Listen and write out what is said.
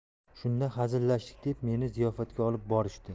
shunda hazillashdik deb meni ziyofatga olib borishdi